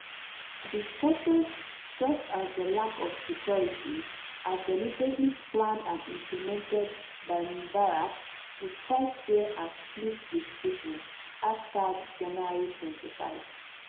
the shortages just as the lack of security are deliberately planned and implemented by mubarak to strike fear and split the people #Jan25